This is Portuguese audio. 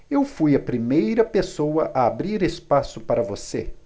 eu fui a primeira pessoa a abrir espaço para você